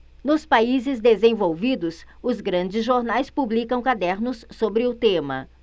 nos países desenvolvidos os grandes jornais publicam cadernos sobre o tema